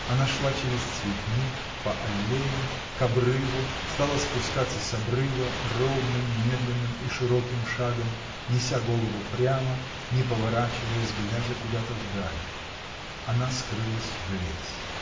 Она шла через цветник, по аллеям, к обрыву, стала спускаться с обрыва ровным, медленным и широким шагом, неся голову прямо, не поворачиваясь, глядя куда-то вдаль. Она скрылась в лес.